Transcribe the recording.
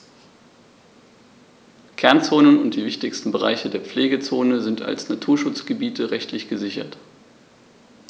Kernzonen und die wichtigsten Bereiche der Pflegezone sind als Naturschutzgebiete rechtlich gesichert.